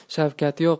shavkat yo'q